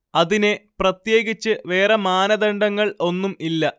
അതിനെ പ്രത്യേകിച്ച് വേറേ മാനദണ്ഡങ്ങൾ ഒന്നും ഇല്ല